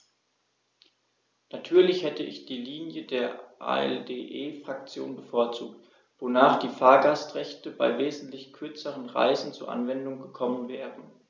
Natürlich hätte ich die Linie der ALDE-Fraktion bevorzugt, wonach die Fahrgastrechte bei wesentlich kürzeren Reisen zur Anwendung gekommen wären.